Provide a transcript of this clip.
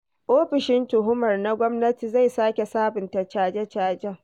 Ofishin Tuhumar na Gwamnati zai sake sabunta caje-cajen.